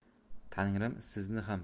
tangrim sizni ham